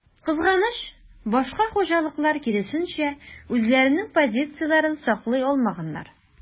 Кызганыч, башка хуҗалыклар, киресенчә, үзләренең позицияләрен саклый алмаганнар.